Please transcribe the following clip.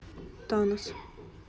танос